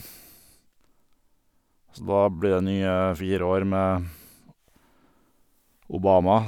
Så da blir det nye fire år med Obama.